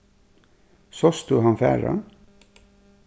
sást tú hann fara